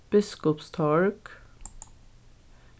biskupstorg